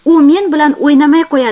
u men bilan o'ynamay qo'yadi